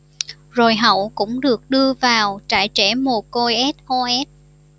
rồi hậu cũng được đưa vào trại trẻ mồ côi sos